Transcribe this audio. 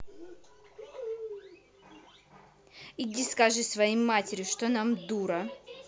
иди скажи своей матери что нам дура